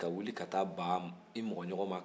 ka wuli ka taa baa i mɔgɔjɔgɔn ma